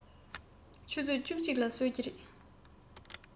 ཆུ ཚོད བཅུ གཅིག ལ གསོད ཀྱི རེད